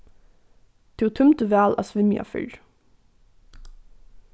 tú tímdi væl at svimja fyrr